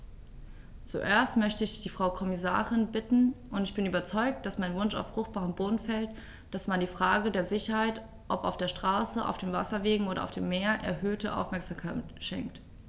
Zuerst möchte ich die Frau Kommissarin bitten - und ich bin überzeugt, dass mein Wunsch auf fruchtbaren Boden fällt -, dass man der Frage der Sicherheit, ob auf der Straße, auf den Wasserwegen oder auf dem Meer, erhöhte Aufmerksamkeit schenkt.